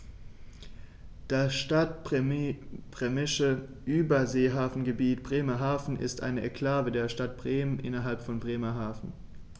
Das Stadtbremische Überseehafengebiet Bremerhaven ist eine Exklave der Stadt Bremen innerhalb von Bremerhaven.